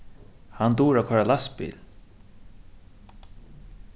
hann dugir at koyra lastbil